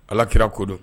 Alakira ko don